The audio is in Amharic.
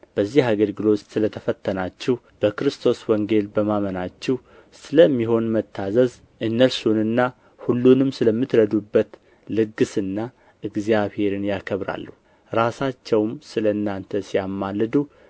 በዚህ አገልግሎት ስለ ተፈተናችሁ በክርስቶስ ወንጌል በማመናችሁ ስለሚሆን መታዘዝ እነርሱንና ሁሉንም ስለምትረዱበት ልግስና እግዚአብሔርን ያከብራሉ ራሳቸውም ስለ እናንተ ሲያማልዱ